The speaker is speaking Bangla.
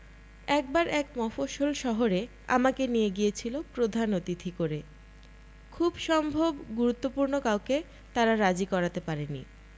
একবার এক মফস্বল শহরে আমাকে নিয়ে গিয়েছিল প্রধান অতিথি করে খুব সম্ভব গুরুত্বপূর্ণ কাউকে তারা রাজি করাতে পারেনি